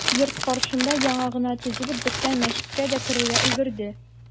Йорт каршында яңа гына төзелеп беткән мәчеткә дә керергә өлгерде.